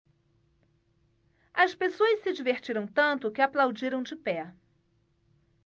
as pessoas se divertiram tanto que aplaudiram de pé